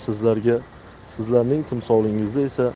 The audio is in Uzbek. sizlarga sizlarning timsolingizda esa